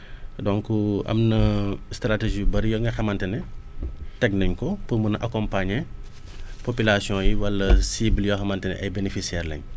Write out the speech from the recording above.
donc am na stratégies yu bëri ya nga xamante ne teg nañ ko pour mun a accompagner population yi wala cibles yi nga xamante ne ay bénéficiares lañ